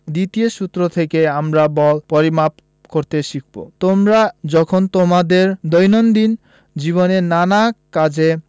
দ্বিতীয় সূত্র থেকে আমরা বল পরিমাপ করা শিখব তোমরা যখন তোমাদের দৈনন্দিন জীবনে নানা কাজে